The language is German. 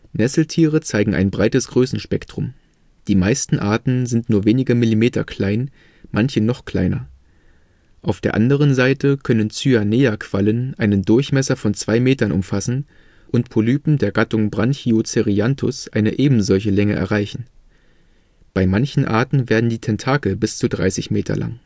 Nesseltiere zeigen ein breites Größenspektrum: Die meisten Arten sind nur wenige Millimeter klein, manche noch kleiner. Auf der anderen Seite können Cyanea-Quallen einen Durchmesser von zwei Metern umfassen und Polypen der Gattung Branchiocerianthus eine ebensolche Länge erreichen. Bei manchen Arten werden die Tentakel bis zu dreißig Meter lang